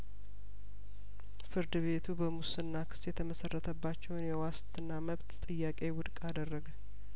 ፍርድ ቤቱ በሙስና ክስ የተመሰረተ ባቸውን የዋስትና መብት ጥያቄ ውድቅ አደረገ